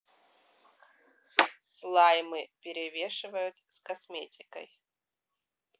слаймы перемешивают с косметикой